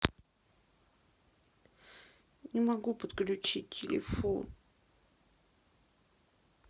не могу подключить телефон